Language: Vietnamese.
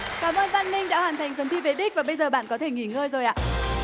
cám mơn văn minh đã hoàn thành phần thi về đích và bây giờ bạn có thể nghỉ ngơi rồi ạ